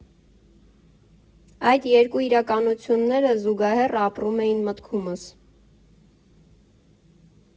Այդ երկու իրականությունները զուգահեռ ապրում էին մտքումս։